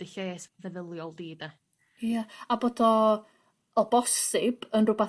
dy lles feddyliol di 'de? Ia bod o o bosib yn rwbath